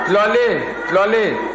tɔlɔlen tɔlɔlen